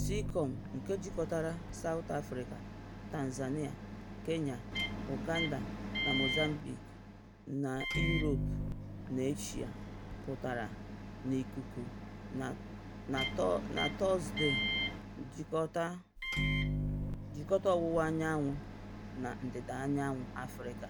Seacom, nke jikọtara South Africa, Tanzania, Kenya, Uganda na Mozambique n'Europe na Asia, pụtara n'ikuku na Tọzdee, jikọta ọwụwaanyanwụ na ndịdaanyanwụ Afrịka